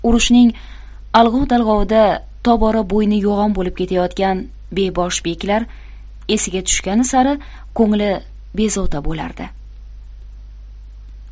urushning alg'ov dalg'ovida tobora bo'yni yo'g'on bo'lib ketayotgan bebosh beklar esiga tushgani sari ko'ngli bezovta bo'lardi